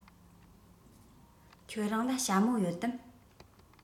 ཁྱོད རང ལ ཞྭ མོ ཡོད དམ